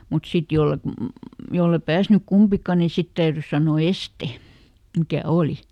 mutta sitten jos et jos ei päässyt kumpikaan niin sitten täytyi sanoa este mikä oli